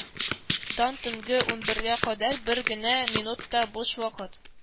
Дан төнге унбергә кадәр бер генә минут та буш вакыт